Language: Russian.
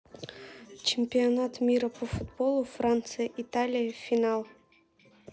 чемпионат мира по футболу франция италия финал